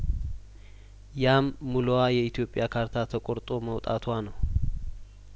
ያም ሙሉዋ የኢትዮጵያ ካርታ ተቆርጦ መውጣትዋ ነው